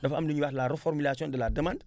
dafa am lu ñuy wax la reformutaion de la demande